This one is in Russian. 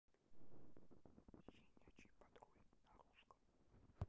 щенячий патруль на русском